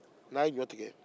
n'a' ye ɲɔtigɛ